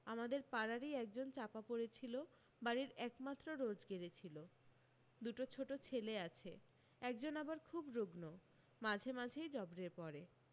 আমাদের পাড়ারই একজন চাপা পড়েছিল বাড়ীর একমাত্র রোজগেরে ছিল দুটো ছোট ছেলে আছে একজন আবার খুব রুগ্ন মাঝেমধ্যেই জবরে পড়ে